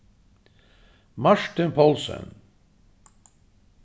martin poulsen